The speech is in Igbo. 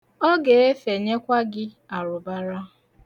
Ọ ga-efenyekwa gị arụbara.